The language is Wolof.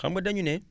xam nga dañu ne